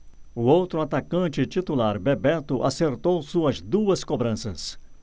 o outro atacante titular bebeto acertou suas duas cobranças